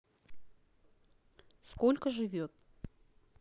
сколько живет